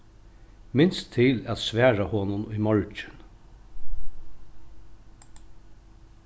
minst til at svara honum í morgin